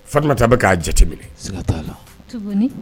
Fa ta a bɛ k'a jateminɛ